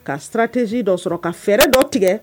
Ka siratisi dɔ sɔrɔ ka fɛɛrɛ dɔ tigɛ